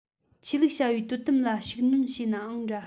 ཆོས ལུགས བྱ བའི དོ དམ ལ ཤུགས སྣོན བྱས ནའང འདྲ